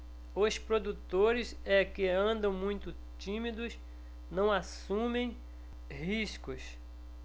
os produtores é que andam muito tímidos não assumem riscos